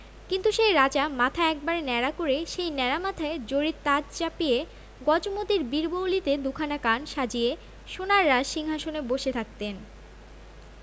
কিন্তু সেই রাজা মাথা একেবারে ন্যাড়া করে সেই ন্যাড়া মাথায় জরির তাজ চাপিয়ে গজমোতির বীরবৌলিতে দুখানা কান সাজিয়ে সোনার রাজসিংহাসনে বসে থাকতেন